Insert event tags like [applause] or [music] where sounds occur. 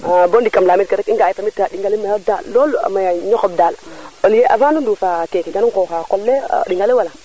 [hesitation] bo ndiik kam lamit ke rek i nga e tamit a ɗingale maya daaɗ lool a maya njoxb daal au lieu avant nu ndufa keke gan ngoxa qol le a ɗinga le wala